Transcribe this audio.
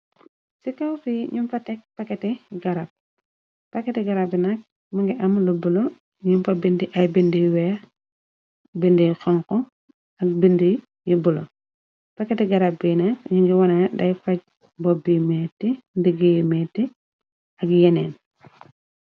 Ci kaw fi ñung fa tek paketi garab. Paketi garab bi nak mun ngi am lu bulo, ñung fa bindi ay bindi yu weex bindi yu xonku ak bindi yu bulo. Paketi garab bi nakk ñu ngi wone day faj bobbu bu meeti, ndigii yu meeti, ak yeneen.